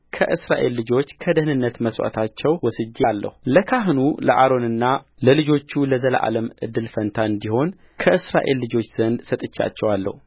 ከእስራኤል ልጆች ከደኅንነት መሥዋዕታቸው ወስጄአለሁ ለካህኑ ለአሮንና ለልጆቹም ለዘላለም እድል ፈንታ እንዲሆን ከእስራኤል ልጆች ዘንድ ሰጥቼአቸዋለሁ